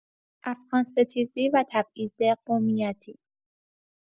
افغان‌ستیزی و تبعیض قومیتی